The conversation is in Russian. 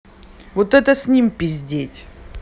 вот это с ним пиздеть